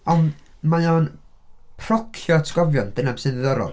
Ond mae o'n procio atgofion, dyna be sy'n ddiddorol.